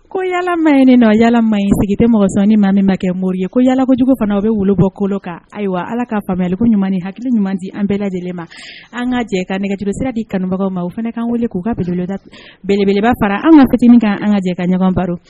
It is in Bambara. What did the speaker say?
Ko yalama in nin yaama in sigi tɛ mɔgɔ sɔ maa min ma kɛ mori ye ko yaa jugu kɔnɔ u bɛ wolo bɔkolo kan ayiwa ala ka faamuyalɛliko ɲuman ni hakili ɲuman di an bɛɛ lajɛlen ma an ka jɛ ka nɛgɛtigɛbesira di kanubagaw ma o fanakan wele k'u kada beleba fara an ka jate min kan an ka jɛ ka ɲɔgɔn baro